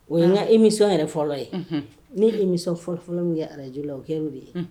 O ye n nka imi yɛrɛ fɔlɔ ye nimi fɔlɔ fɔlɔ min kɛ araj la o kɛ de ye